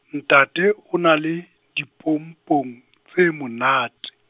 ntate, o na le, dipompong, tse monate.